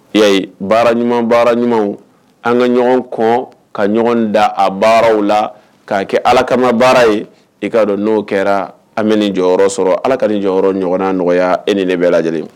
Ya baara ɲuman baara ɲuman an ka ɲɔgɔn kɔn ka ɲɔgɔn da a baaraw la k'a kɛ ala kama baara ye i k'a dɔn n'o kɛra an bɛ nin jɔyɔrɔ sɔrɔ ala ka nin jɔyɔrɔ ɲɔgɔn nɔgɔya e ni ne bɛ lajɛ lajɛlen